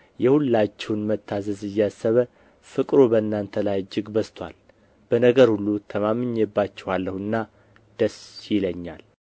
የሁላችሁን መታዘዝ እያሰበ ፍቅሩ በእናንተ ላይ እጅግ በዝቶአል በነገር ሁሉ ተማምኜባችኋለሁና ደስ ይለኛል